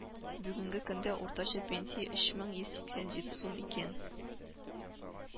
Бүгенге көндә уртача пенсия өч мең йөз сиксән җиде сум икән